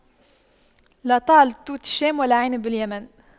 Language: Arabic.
لا طال توت الشام ولا عنب اليمن